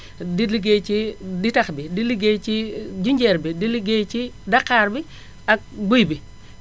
di ligéey ci ditax bi di ligéey ci jinjeer bi di ligéey ci daqaar bi ak buy bi